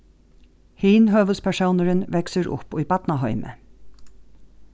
hin høvuðspersónurin veksur upp í barnaheimi